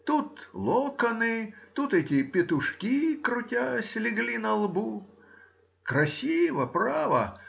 тут локоны, тут эти петушки, крутясь, легли на лбу. Красиво, право!